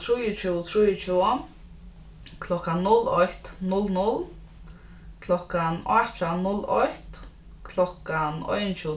trýogtjúgu trýogtjúgu klokkan null eitt null null klokkan átjan null eitt klokkan einogtjúgu